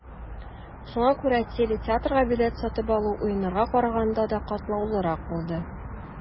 Шуңа күрә телетеатрга билет сатып алу, Уеннарга караганда да катлаулырак булды.